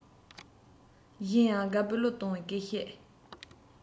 གཞན ཡང དགའ པོའི གླུ གཏོང བའི སྐད ཤེད